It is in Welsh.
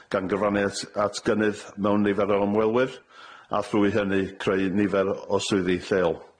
gan gyfrannu at at gynnydd mewn nifer o ymwelwyr, a thrwy hynny creu nifer o swyddi lleol.